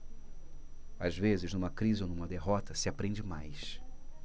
às vezes numa crise ou numa derrota se aprende mais